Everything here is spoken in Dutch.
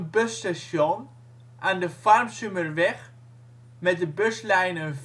busstation aan de Farmsumerweg met de buslijnen